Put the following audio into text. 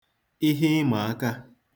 ihe ịmàaka